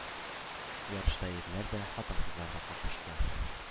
Ярышта ирләр дә, хатын-кызлар да катнашты.